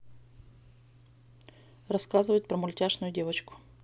рассказывают про мультяшную девочку